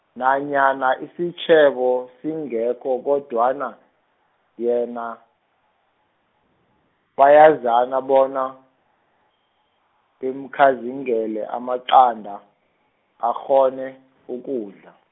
nanyana isitjhebo singekho kodwana, yena, bayazana bona, bamkhanzingele amaqanda, akghone, ukudla.